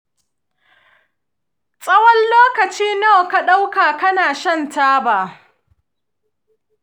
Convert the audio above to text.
tsawon lokaci nawa ka ɗauka kna shan taba?